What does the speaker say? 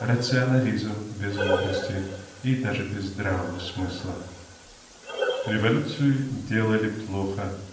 "рационализм" без мудрости и даже без здравого смысла. Революцию делали плохо.